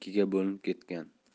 ikkiga bo'linib ketgan